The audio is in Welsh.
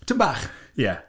Tipyn bach?... Ie.